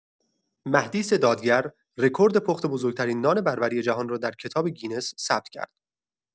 مهدیس دادگر، رکورد پخت بزرگ‌ترین نان بربری جهان را در کتاب گینس ثبت کرد.